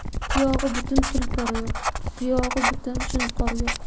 tuyog'i butun tulpor yo'q qiyog'i butun shunqor yo'q